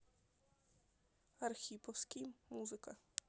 архиповский музыка